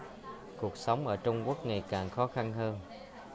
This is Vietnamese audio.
cuộc sống ở trung quốc ngày càng khó khăn hơn